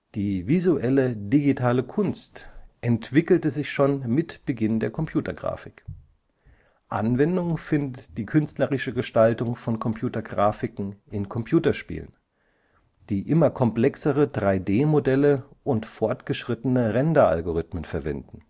Die visuelle digitale Kunst entwickelte sich schon mit Beginn der Computergrafik. Anwendung findet die künstlerische Gestaltung von Computergrafiken in Computerspielen, die immer komplexere 3D-Modelle und fortgeschrittene Renderalgorithmen verwenden